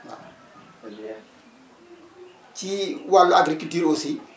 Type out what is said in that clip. waaw c' est bien ci wàllu agriculture aussi